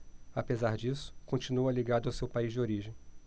apesar disso continua ligado ao seu país de origem